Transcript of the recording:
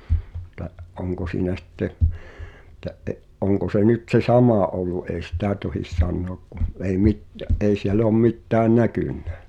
että onko siinä sitten että - onko se nyt se sama ollut ei sitä tohdi sanoa kun ei - ei siellä ole mitään näkynyt